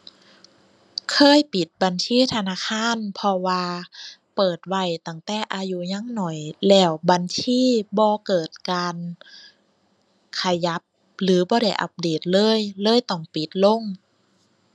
เคยปิดบัญชีธนาคาร เพราะว่าเปิดไว้ตั้งแต่อายุยังน้อยแล้วบัญชีบ่เกิดการขยับหรือบ่ได้อัปเดตเลย เลยต้องปิดลง